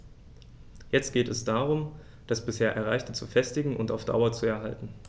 Jetzt geht es darum, das bisher Erreichte zu festigen und auf Dauer zu erhalten.